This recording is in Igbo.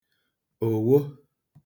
owo